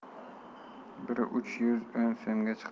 biri uch yuz o'n so'mga chiqdi